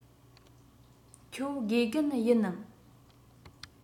ཁྱོད དགེ རྒན ཡིན ནམ